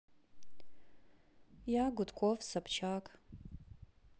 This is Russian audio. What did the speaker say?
я гудков собчак